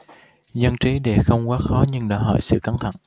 dân trí đề không quá khó nhưng đòi hỏi sự cẩn thận